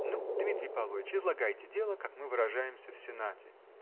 Ну, Дмитрий Павлович, излагайте дело, как мы выражаемся в сенате.